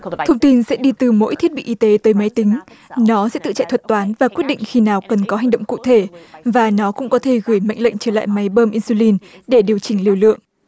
thông tin sẽ đi từ mỗi thiết bị y tế tới máy tính nó sẽ tự chạy thuật toán và quyết định khi nào cần có hành động cụ thể và nó cũng có thể gửi mệnh lệnh trở lại máy bơm i su lin để điều chỉnh lưu lượng